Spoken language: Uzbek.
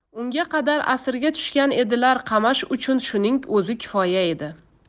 unga qadar asirga tushgan edilar qamash uchun shuning o'zi kifoya edi